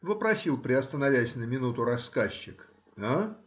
— вопросил, приостановясь на минуту, рассказчик,— а?